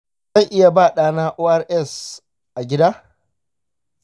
zan iya ba ɗana ors a gida?